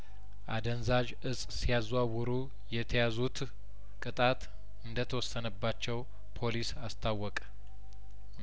አደንዛዥ እጽ ሲያዘዋውሩ የተያዙት ቅጣት እንደተወሰነባቸው ፖሊስ አስታወቀ